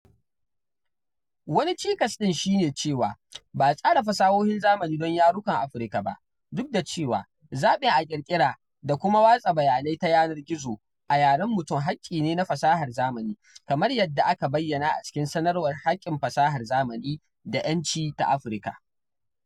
Wani cikas ɗin shi ne cewa ba a tsara fasahohin zamani don yarukan Afirka ba, duk da cewa “zaɓin a ƙirƙira da kuma watsa bayanai ta yanar gizo” a Yaren mutum haƙƙi ne na fasahar zamani, kamar yadda aka bayyana a cikin “Sanarwar Haƙƙin fasahar zamani da 'Yanci ta Afirka”.